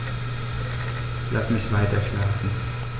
Lass mich weiterschlafen.